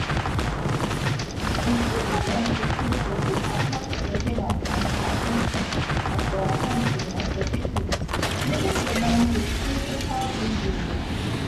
In 2016, a pig attacked a woman and her husband at their farm in Massachusetts, leaving the man with critical injuries.